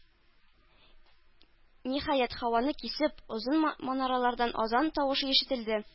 Ниһаять, һаваны кисеп озын манаралардан азан тавышы ишетелде.